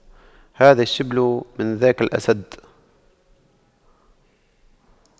هذا الشبل من ذاك الأسد